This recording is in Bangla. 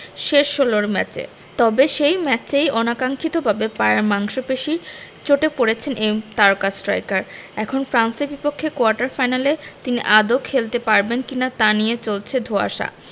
শেষ ষোলোর ম্যাচে তবে সেই ম্যাচেই অনাকাঙ্ক্ষিতভাবে পায়ের মাংসপেশির চোটে পড়েছেন এই তারকা স্ট্রাইকার এখন ফ্রান্সের বিপক্ষে কোয়ার্টার ফাইনালে তিনি আদৌ খেলতে পারবেন কি না তা নিয়ে চলছে ধোঁয়াশা